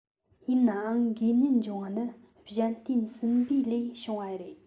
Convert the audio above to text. ཡིན ནའང འགོས ནད འབྱུང བ ནི གཞན རྟེན སྲིན འབུས ལས བྱུང བ རེད